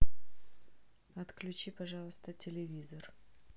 отключи пожалуйста телевизор